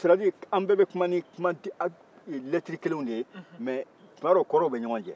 sɛta dir an bɛɛ bɛ kuma ni lɛtɛrɛ kelenw de ye mɛ tumadɔw kɔrɔw bɛ ɲɔgɔn cɛ